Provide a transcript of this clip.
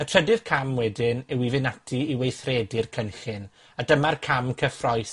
Y trydydd cam wedyn, yw i fynd ati i weithredu'r cynllun, a dyma'r cam cyffrous